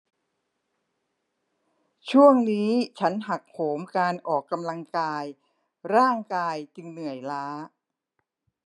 ช่วงนี้ฉันหักโหมการออกกำลังกายร่างกายจึงเหนื่อยล้า